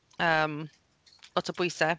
Yym lot o bwysau.